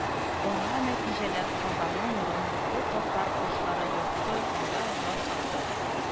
Аңа нәтиҗәләр Казанның данлыклы Татар ашлары йорты нда ясалды